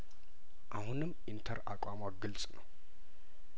አሁንም ኢንተር አቋሟ ግልጽ ነው